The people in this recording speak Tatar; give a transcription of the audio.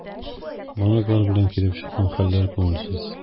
Банклар белән килеп чыккан хәлләр күңелсез.